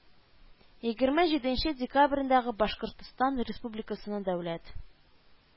Егерме җиденче декабрендәге башкортстан республикасының дәүләт